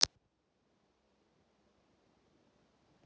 воображаемая любовь